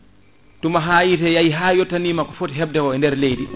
tuma haayeyi hay ha yettanima ko foti hebde ko e nder leydi